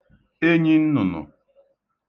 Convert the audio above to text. enyinnụ̀nụ̀